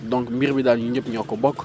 donc mbir mi daal ñun ñëpp ñoo ko bokk